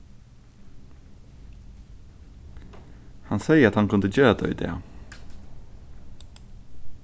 hann segði at hann kundi gera tað í dag